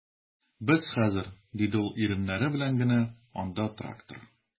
Без хәзер, - диде ул иреннәре белән генә, - анда трактор...